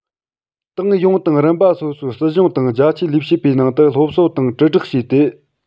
ཏང ཡོངས དང རིམ པ སོ སོའི སྲིད གཞུང དང རྒྱ ཆེའི ལས བྱེད པའི ནང དུ སློབ གསོ དང དྲིལ བསྒྲགས བྱས ཏེ